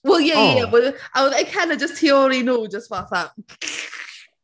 Wel ie, ie, wel... a oedd Ikenna just tu ôl i nhw just fatha